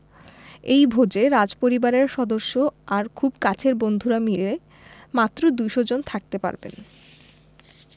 এই ভোজে রাজপরিবারের সদস্য আর খুব কাছের বন্ধুরা মিলে মাত্র ২০০ জন থাকতে পারবেন